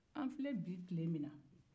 an filɛ bi tile min na